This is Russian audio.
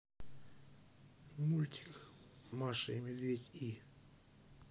мультик маша и медведь и